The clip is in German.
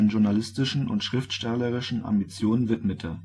journalistischen und schriftstellerischen Ambitionen widmete